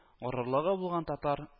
Горурлыгы булган татар